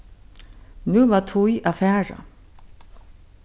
nú var tíð at fara